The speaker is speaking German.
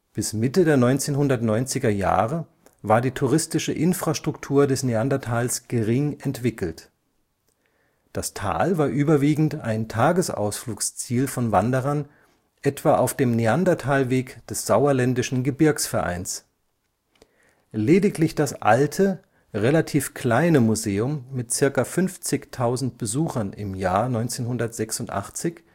Bis Mitte der 1990er Jahre war die touristische Infrastruktur des Neandertals gering entwickelt. Das Tal war überwiegend ein Tagesausflugsziel von Wanderern, etwa auf dem Neandertalweg des Sauerländischen Gebirgsvereins. Lediglich das alte, relativ kleine Museum mit circa 50.000 Besuchern im Jahr (1986